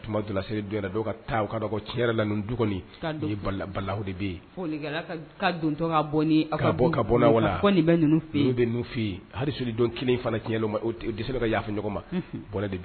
Tuma dɔw la selidon yɛrɛ, dɔw ka, a ka dɔn ko tiɲɛ yɛrɛ la, nin du kɔni, ka don, balahu de bɛ yen, folikɛlan don tɔ ka bɔ n'a ka du ye, ko nin de bɛ ninnu fɛ ye, nin de bɛ ninnu fɛ yen, hali selidon kelen u dɛsɛlen don ka yafa ɲɔgɔn ma, unhun.